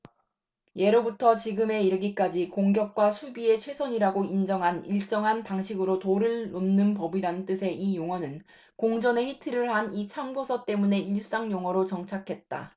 예로부터 지금에 이르기까지 공격과 수비에 최선이라고 인정한 일정한 방식으로 돌을 놓는 법이라는 뜻의 이 용어는 공전의 히트를 한 이 참고서 때문에 일상용어로 정착했다